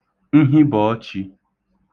nhibọ̀ọchī